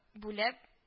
Бүләп